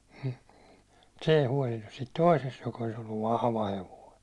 hm mutta se ei huolinut siitä toisesta joka olisi ollut vahva hevonen